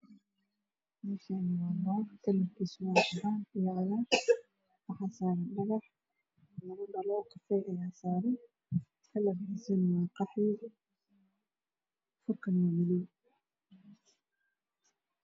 Meeshaan Waa baardi kalarkiisa wa cadaan iyo cagaar waxaa saaran badar labo dhalo kafay ah ayaa saaran kalarkiisa waa qaxwi furkana waa madow.